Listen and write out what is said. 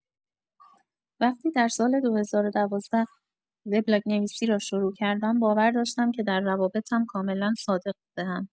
وقتی در سال ۲۰۱۲ وبلاگ‌نویسی را شروع کردم، باور داشتم که در روابطم کاملا صادق بوده‌ام.